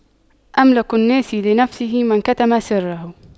أملك الناس لنفسه من كتم سره